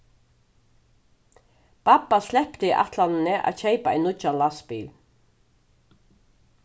babba slepti ætlanini at keypa ein nýggjan lastbil